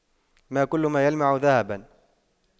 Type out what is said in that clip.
ما كل ما يلمع ذهباً